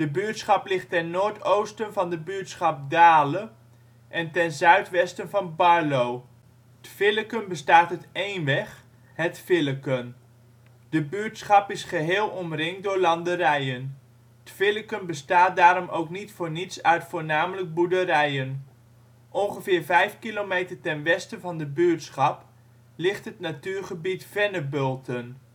buurtschap ligt ten noordoosen van de buurtschap Dale en ten zuidwesten van Barlo. ' t Villeken bestaat uit een weg Het Villeken. De buurtschap is geheel omringt door landerijen. ' t Villeken bestaat daarom ook niet voor niets uit voornamelijk boerderijen. Ongeveer vijf kilometer ten westen van de buurtschap ligt het natuurgebied Vennebulten